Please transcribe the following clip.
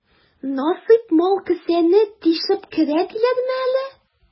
Насыйп мал кесәне тишеп керә диләрме әле?